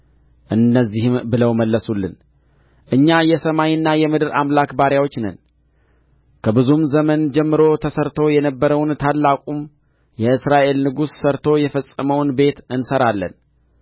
እንደዚህም ብለው መለሱልን እኛ የሰማይና የምድር አምላክ ባሪያዎች ነን ከብዙም ዘመን ጀምሮ ተሠርቶ የነበረውን ታላቁም የእስራኤል ንጉሥ ሠርቶ የፈጸመውን ቤት እንሠራለን